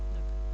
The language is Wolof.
d' accord